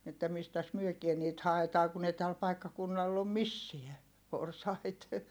että mistäs mekin niitä haetaan kun ei tällä paikkakunnalla ole missään porsaita